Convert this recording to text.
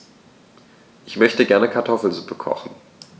Ich möchte gerne Kartoffelsuppe kochen.